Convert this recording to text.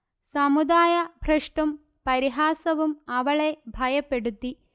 സമുദായ ഭ്രഷ്ടും പരിഹാസവും അവളെ ഭയപ്പെടുത്തി